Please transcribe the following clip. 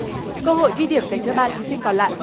cơ hội ghi điểm dành cho ba thí sinh còn lại